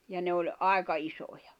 ja ne oli aika isoja